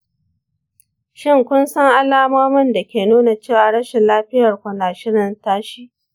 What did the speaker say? shin kun san alamomin da ke nuna cewa rashin lafiyarku na shirin tashi?